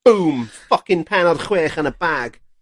Bŵm. Ffycin pennod chwech yn y bag.